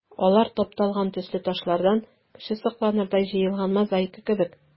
Алар тапталган төсле ташлардан кеше сокланырдай җыелган мозаика кебек.